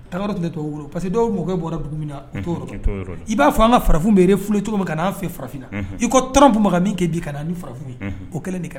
Taara yɔrɔ tɛ t' parce que dɔw mɔ bɔra dugu min na to i b'a fɔ an ka farafin bɛ foli cogo min ka'an fɛ farafinina i ko t tun ma ka min kɛ di ka farafin o kɛlen de kan